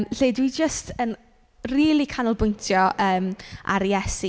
Lle dwi jyst yn rili canolbwyntio yym ar Iesu.